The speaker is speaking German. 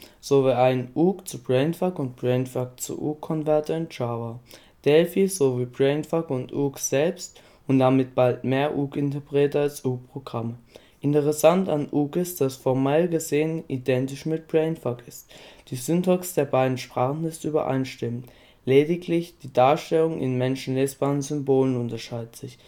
sowie einen Ook! - zu-Brainfuck - und Brainfuck-zu-Ook! - Konverter in Java, Delphi sowie Brainfuck und Ook! selbst und damit bald mehr Ook! - Interpreter als Ook! - Programme. Interessant an Ook! ist, dass es formal gesehen identisch mit Brainfuck ist. Die Syntax der beiden Sprachen ist übereinstimmend, lediglich die Darstellung in menschenlesbaren Symbolen unterscheidet sich